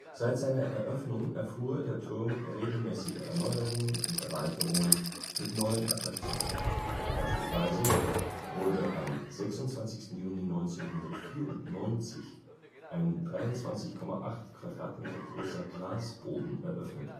Seit seiner Eröffnung erfuhr der Turm regelmäßige Erneuerungen und Erweiterungen mit neuen Attraktionen. Beispielsweise wurde am 26. Juni 1994 ein 23,8 m² großer Glasboden eröffnet